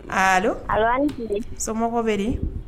A somɔgɔw bɛ di